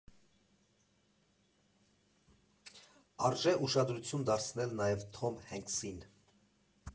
Արժե ուշադրություն դարձնել նաև Թոմ Հենքսին.